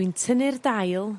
dwi'n tynnu'r dail